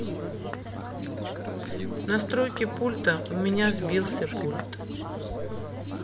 настройки пульта у меня сбился пульт